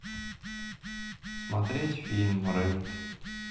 смотреть фильм рейд